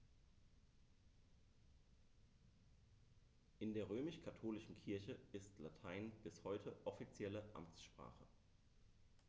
In der römisch-katholischen Kirche ist Latein bis heute offizielle Amtssprache.